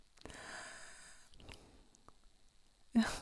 Ja.